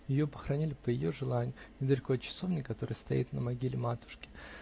Ее похоронили, по ее желанию, недалеко от часовни, которая стоит на могиле матушки.